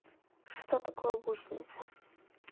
что такое гусеница